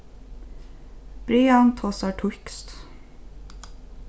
brian tosar týskt